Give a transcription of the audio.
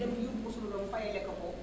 dem yóbbu ko sunu doom fayalee ko ko